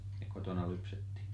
ja kotona lypsettiin